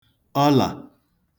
ọlà